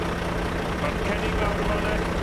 Ma'r cenning lawr yn fan 'ne